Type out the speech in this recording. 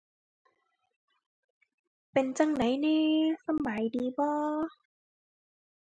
เป็นจั่งใดแหน่ สำบายดีบ่